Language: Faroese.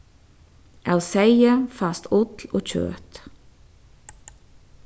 av seyði fæst ull og kjøt